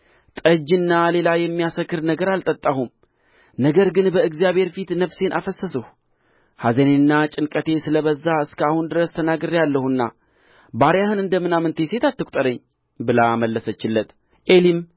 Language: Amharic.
ጠጅና ሌላ የሚያሰክር ነገር አልጠጣሁም ነገር ግን በእግዚአብሔር ፊት ነፍሴን አፈሰስሁ ኀዘኔና ጭንቀቴ ስለ በዛ እስከ አሁን ድረስ ተናግሬአለሁና ባሪያህን እንደ ምናምንቴ ሴት አትቍጠረኝ ብላ መለሰችለት ዔሊም